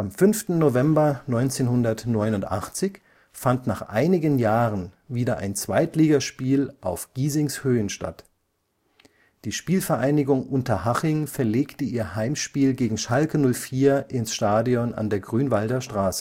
5. November 1989 fand nach einigen Jahren wieder ein Zweitligaspiel auf Giesings Höhen statt. Die SpVgg Unterhaching verlegte ihr Heimspiel gegen Schalke 04 ins Stadion an der Grünwalder Straße